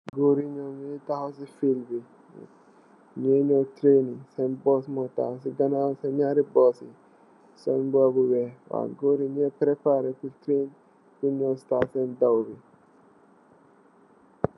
Goor yi ñu ngi taxaw si fiil bi, ñu ngee ñaw tireen i. Seen boos moo taxaw si ñaari boos yi, sol mbuba bu weex. Goor yi ñu ngee paré paaré pur tireen, pur kumaasé daw bi.